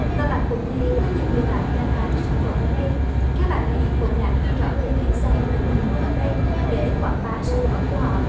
và bạn cũng thấy có nhiều người bạn đang bán sản phẩm ở đây các bạn ấy cũng đã ghi rõ tên nick zalo của mình luôn ở đây để quảng bá sản phẩm của họ